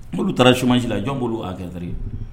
N'olu taara chômage la jɔn bɛ olu .